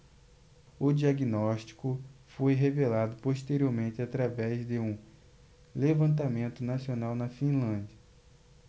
o diagnóstico foi revelado posteriormente através de um levantamento nacional na finlândia